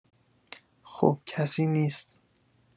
خب کسی نیست